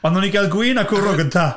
Ond wnawn ni gael gwin a cwrw yn gynta!